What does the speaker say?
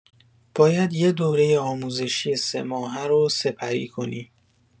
باید یه دوره آموزشی سه‌ماهه رو سپری کنی.